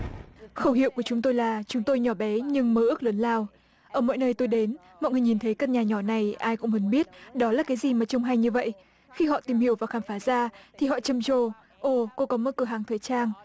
khẩu hiệu của chúng tôi là chúng tôi nhỏ bé nhưng mơ ước lớn lao ở mọi nơi tôi đến mọi người nhìn thấy căn nhà nhỏ này ai cũng muốn biết đó là cái gì mà trông hay như vậy khi họ tìm hiểu và khám phá ra thì họ trầm trồ ồ cô có một cửa hàng thời trang